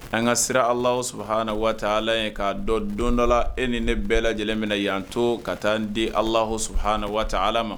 An ka sira alah suhaaa ni waa ala ye k'a dɔn don dɔ la e ni ne bɛɛ lajɛlen min na yanan to ka taa n di alahhaaa ni waa ala ma